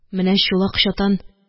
Менә чулак чатан: